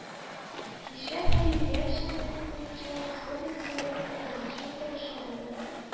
Кичә хәйрия эшчәнлеге буенча Республика Советының беренче утырышы булды